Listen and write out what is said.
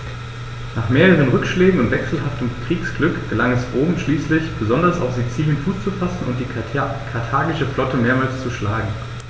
Nach mehreren Rückschlägen und wechselhaftem Kriegsglück gelang es Rom schließlich, besonders auf Sizilien Fuß zu fassen und die karthagische Flotte mehrmals zu schlagen.